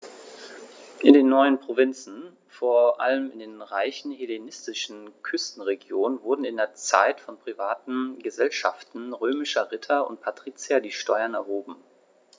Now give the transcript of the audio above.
In den neuen Provinzen, vor allem in den reichen hellenistischen Küstenregionen, wurden in dieser Zeit von privaten „Gesellschaften“ römischer Ritter und Patrizier die Steuern erhoben.